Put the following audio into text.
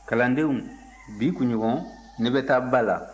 kalandenw bi kunɲɔgɔn ne bɛ taa ba la